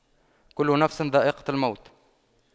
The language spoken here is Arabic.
كُلُّ نَفسٍ ذَائِقَةُ المَوتِ